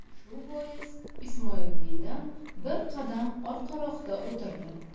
shu bois ismoilbeydan bir qadam orqaroqda o'tirdi